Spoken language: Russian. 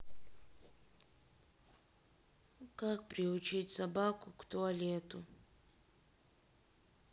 как приучить собаку к туалету